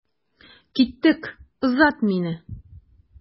Киттек, озат мине.